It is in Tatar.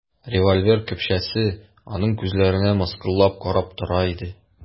Револьвер көпшәсе аның күзләренә мыскыллап карап тора иде.